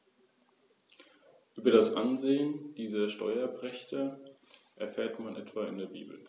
Das „Land der offenen Fernen“, wie die Rhön auch genannt wird, soll als Lebensraum für Mensch und Natur erhalten werden.